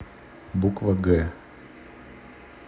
буква г